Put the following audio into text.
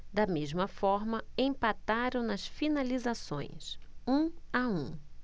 da mesma forma empataram nas finalizações um a um